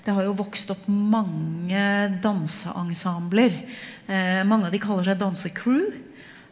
det har jo vokst opp mange danseensembler, mange av de kaller seg dansecrew.